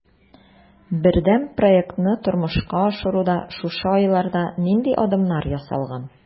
Бердәм проектны тормышка ашыруда шушы айларда нинди адымнар ясалган?